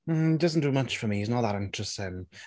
Mm, doesn't do much for me, he's not that interesting.